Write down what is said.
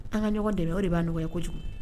An ka ɲɔgɔn dɛmɛ o de b'a nɔgɔya kojugu